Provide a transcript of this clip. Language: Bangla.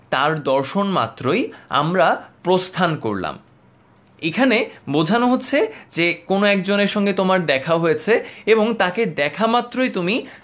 তার দর্শন মাত্রই আমরা প্রস্থান করলাম তার দর্শন মাত্রই আমরা প্রস্থান করলাম এখানে বোঝানো হচ্ছে যে কোন একজনের সঙ্গে তোমার দেখা হয়েছে এবং তাকে দেখামাত্রই তুমি